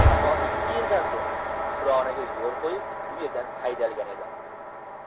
ammo ikki yildan so'ng kufronaga yo'l qo'yib u yerdan haydalgan edi